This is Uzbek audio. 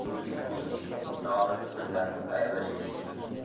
gruzinning noni tuzi bilan xayrlashaylik